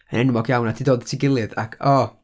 yn enwog iawn, a 'di dod at ei gilydd ac o...